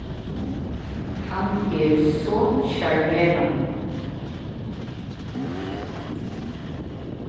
hann er so sjarmerandi